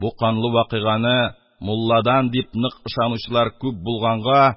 Бу канлы вакыйганы мулладан дип нык ышанучылар күп булганга,